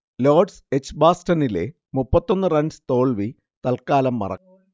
Lord's എജ്ബാസ്റ്റനിലെ മുപ്പത്തൊന്ന് runs തോൽവി തൽക്കാലം മറക്കാം